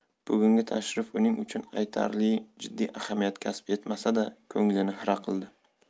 bugungi tashrif uning uchun aytarli jiddiy ahamiyat kasb etmasa da ko'nglini xira qildi